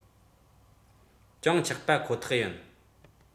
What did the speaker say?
ཅུང ཆག པ ཁོ ཐག ཡིན